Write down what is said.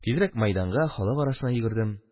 Тизрәк мәйданга, халык арасына йөгердем